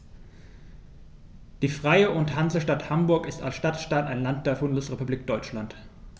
Die Freie und Hansestadt Hamburg ist als Stadtstaat ein Land der Bundesrepublik Deutschland.